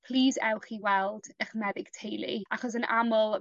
plîs ewch i weld 'ych meddyg teulu achos yn aml